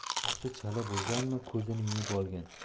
uyqusi chala bo'lganmi ko'zini yumib olgan